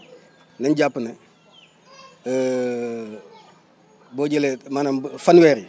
nañ jàpp ne boo jëlee maanaam bafanweer yi